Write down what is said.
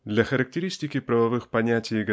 Для характеристики правовых понятий